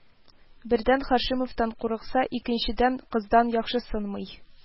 Бердән, Һаши-мовтан курыкса, икенчедән, кыздан яхшысынмый